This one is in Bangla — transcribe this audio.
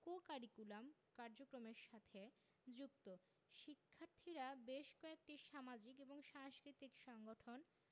কো কারিকুলাম কার্যক্রমরে সাথে যুক্ত শিক্ষার্থীরা বেশ কয়েকটি সামাজিক এবং সাংস্কৃতিক সংগঠন